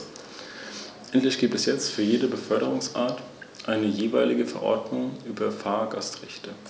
Die erste Herausforderung ist die Harmonisierung der nationalen Raumordnungs- und der regionalen Entwicklungspolitiken.